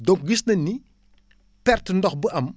donc gis nañ ni perte ndox bu am